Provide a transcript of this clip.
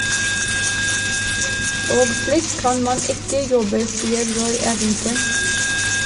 Og slik kan man ikke jobbe, sier Roy Evensen.